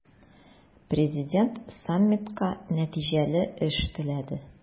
Президент саммитка нәтиҗәле эш теләде.